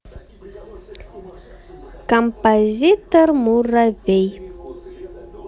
композитор муравей